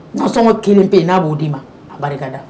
Nasɔngɔ kelen pe n'a b'o d'i ma a barikada